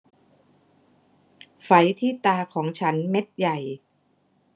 ไฝที่ตาของฉันเม็ดใหญ่